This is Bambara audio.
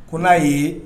Ko n'a ye